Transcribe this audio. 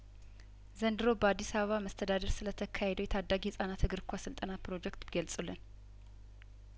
ዘንድሮ በአዲስ አበባ መስተዳድር ስለተካሄደው የታዳጊ ህጻናት እግር ኳስ ስልጠና ፕሮጀክት ቢገልጹልን